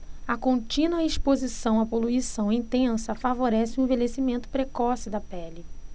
a contínua exposição à poluição intensa favorece o envelhecimento precoce da pele